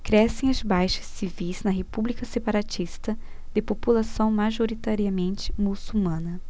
crescem as baixas civis na república separatista de população majoritariamente muçulmana